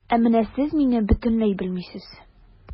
Ә менә сез мине бөтенләй белмисез.